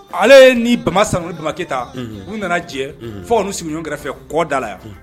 Ale ye ni bama san damakɛyita u nana jɛ fɔ olu sigiɲɔgɔn kɛrɛfɛ kɔda la yan